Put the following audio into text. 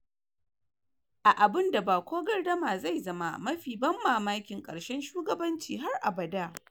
A abun da ba ko gardama zai zama “mafi ban mamakin karshen shugabanci har abada!”